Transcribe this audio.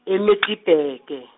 e- Middelburg nge.